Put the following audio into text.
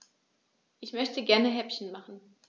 Ich möchte gerne Häppchen machen.